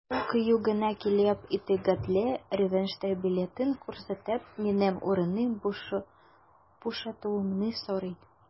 Ул кыю гына килеп, итәгатьле рәвештә билетын күрсәтеп, миннән урынны бушатуымны сорый.